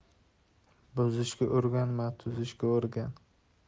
buzishga o'rganma tuzishga o'rgan